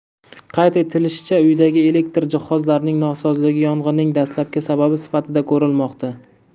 qayd etilishicha uydagi elektr jihozlarning nosozligi yong'inning dastlabki sababi sifatida ko'rilmoqda